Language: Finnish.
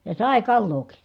ja sai kalaakin